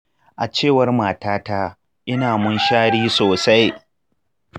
a cewar matata, ina munshari sosai.